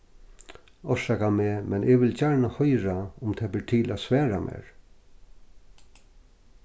orsaka meg men eg vil gjarna hoyra um tað ber til at svara mær